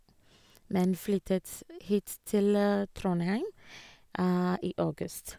Men flyttet hit til Trondheim i august.